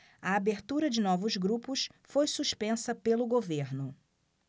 a abertura de novos grupos foi suspensa pelo governo